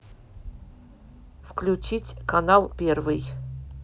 включить канал первый